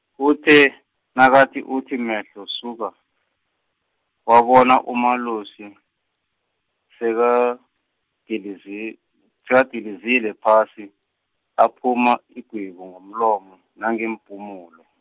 uthe, nakathi uthi mehlo suka, wabona uMalusi, sekadilizi- -dindizile phasi, aphuma igwebu ngomlomo, nangeempumulo.